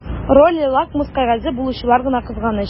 Роле лакмус кәгазе булучылар гына кызганыч.